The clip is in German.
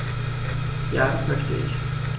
Ja, das möchte ich.